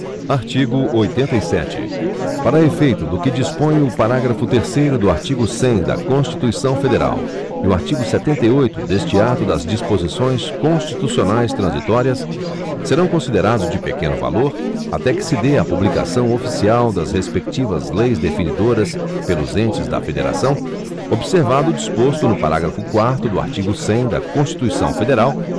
artigo oitenta e sete para efeito do que dispõem o parágrafo terceiro do artigo cem da constituição federal e o artigo setenta e oito deste ato das disposições constitucionais transitórias serão considerados de pequeno valor até que se dê a publicação oficial das respectivas leis definidoras pelos entes da federação observado o disposto no parágrafo quarto do artigo cem da constituição federal